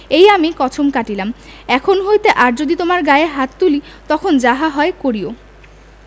এই আমি কছম কাটিলাম এখন হইতে আর যদি তোমার গায়ে হাত তুলি তখন যাহা হয় করিও